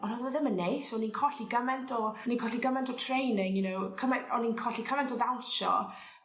on' o'dd o ddim yn neis o'n i'n colli gymaint o o'n i'n colli gyment o training you know cymaint o'n i'n colli cymaint o ddawnsio